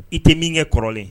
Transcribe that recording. I tɛ min kɛ kɔrɔlen.